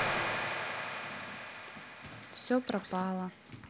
все пропало